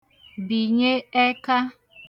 bìnye ẹka